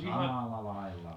samalla lailla vain